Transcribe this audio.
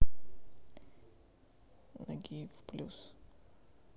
нагиев плюс